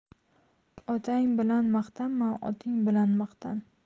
otang bilan maqtanma oting bilan maqtan